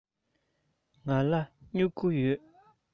ང ལ སྨྱུ གུ ཡོད